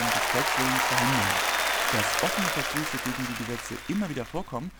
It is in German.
des Volkswillens verhindern; dass offene Verstöße gegen die Gesetze immer wieder vorkommen